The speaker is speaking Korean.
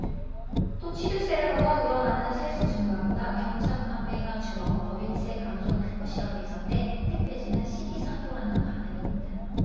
또 취득세를 거둬 늘어나는 세수 증가보다 경차 판매가 줄어 법인세 감소가 클 것이라고 예상돼 혜택 폐지는 시기상조라는 반응입니다